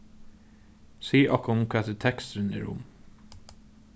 sig okkum hvat ið teksturin er um